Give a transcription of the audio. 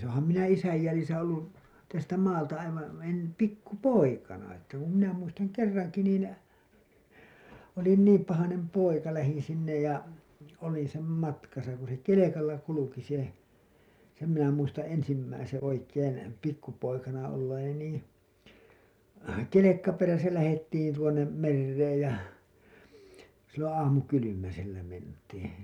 olenhan minä isän jäljissä ollut tästä maalta aivan - pikku poikana että kun minä muistan kerrankin niin olin niin pahainen poika lähdin sinne ja olin sen matkassa kun se kelkalla kulki se sen minä muistan ensimmäisen oikein pikkupoikana olleeni niin kelkka perässä lähdettiin tuonne mereen ja silloin aamukylmäsellä mentiin